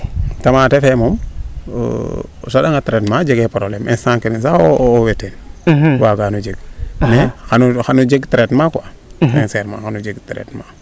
tomate fee moom o saɗa nga traitement jegee probleme instant kene sax owey teen waaga no jeg mais xano jeg traitement quoi sincerement xano jeg traitement